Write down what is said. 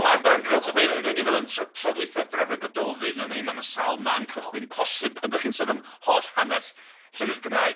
Mae'n fan cychwyn, hynny yw, tro diwethaf wrth drafod y Gododdin, hynny yw, mae 'na sawl man cychwyn posib pan dach chi'n sôn am holl hanes llenyddiaeth Cymraeg.